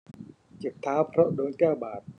เจ็บเท้าเพราะโดนแก้วบาด